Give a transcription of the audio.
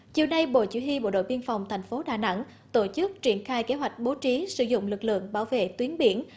chiều nay bộ chỉ huy bộ đội biên phòng thành phố đà nẵng tổ chức triển khai kế hoạch bố trí sử dụng lực lượng bảo vệ tuyến biển